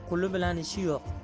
quli bilan ishi yo'q